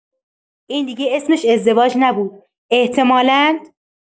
این دیگه اسمش ازدواج نبوده احتمالا